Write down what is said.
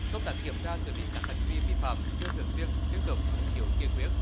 công tác kiểm tra xử lý các hành vi vi phạm chưa thường xuyên liên tục thiếu kiên quyết